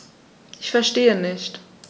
Ich verstehe nicht.